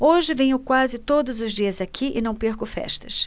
hoje venho quase todos os dias aqui e não perco festas